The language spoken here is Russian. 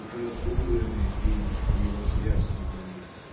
уже сгублены им и его сверстниками